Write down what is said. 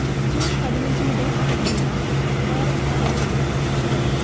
June പതിനഞ്ച് മുതൽ തുടങ്ങുന്ന ഡയറക്ട് ഫൈളൈറ്റുകൾ ചുവടെ